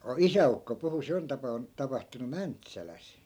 - isäukko puhui se on - tapahtunut Mäntsälässä